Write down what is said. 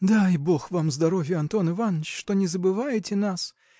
– Дай бог вам здоровья, Антон Иваныч, что не забываете нас!